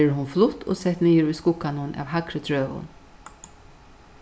verður hon flutt og sett niður í skugganum av hægri trøum